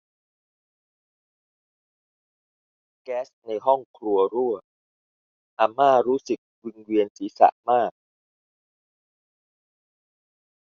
แก๊สในห้องครัวรั่วอาม่ารู้สึกวิงเวียนศีรษะมาก